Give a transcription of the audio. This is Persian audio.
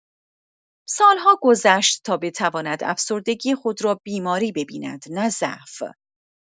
سال‌ها گذشت تا بتواند افسردگی خود را بیماری ببیند نه ضعف.